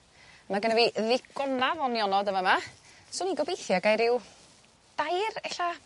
Ma' gynno fi ddigonadd o nionod yn fa' 'ma swn i'n gobeithio gai ryw dair e'lla